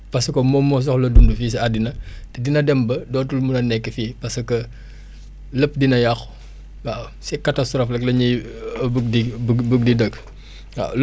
parce que moom moo soxla dund fii si adduna te dina dem ba dootul mun a nekk fii parce que lépp dina yàqu waaw si catastrophe rek la ñuy bugg di bugg di dëkk waaw